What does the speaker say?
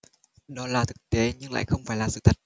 đó là thực tế nhưng lại không phải là sự thật